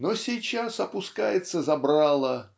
Но сейчас опускается забрало